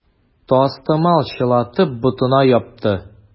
Тастымал чылатып, ботына япты.